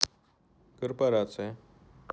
корпорация